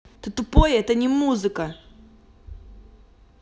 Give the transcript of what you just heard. ты тупой это не музыка